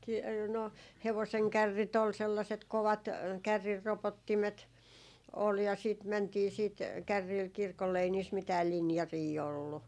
- no hevosen kärrit oli sellaiset kovat kärrinropottimet oli ja sitten mentiin sitten kärreillä kirkolle ei niissä mitään linjaria ollut